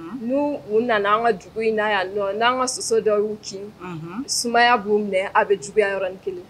Nu u nana an ka jugu in na yan n'an ka sososɔ dɔ y'u kin sumaya b'u minɛ aw bɛ juguya yɔrɔ ni kelen